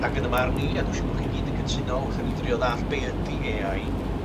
Ac yn 'ym marn i, a dwi siŵr bod chi gyd yn cytuno wrth i ni drio ddallt be ydi Ay I